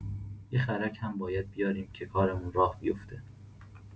یه خرک هم باید بیاریم که کارمون راه بیفته.